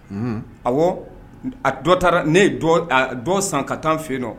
A a dɔ taara ne ye dɔ san ka taa fɛ yen nɔ